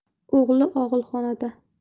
o'g'li og'ilxonada